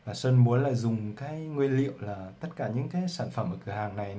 sơn muốn dùng nguyên liệu là tất cả các sản phẩm của cửa hàng này